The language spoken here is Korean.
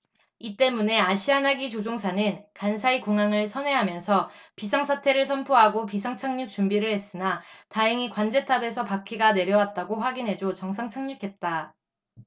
이 때문에 아시아나기 조종사는 간사이공항을 선회하면서 비상사태를 선포하고 비상착륙 준비를 했으나 다행히 관제탑에서 바퀴가 내려왔다고 확인해 줘 정상 착륙했다